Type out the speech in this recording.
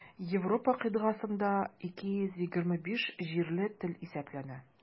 Европа кыйтгасында 225 җирле тел исәпләнә.